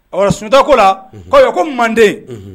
Awa Sunjata k'o la unhun ko y ko Manden unhun